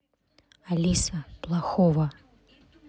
алиса плохого